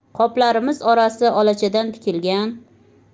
qoplarimiz orasi olachadan tikilgan